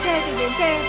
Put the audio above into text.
tre